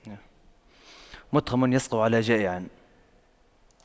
مُتْخَمٌ يقسو على جائع